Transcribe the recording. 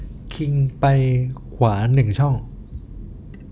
คิงไปขวาหนึ่งช่อง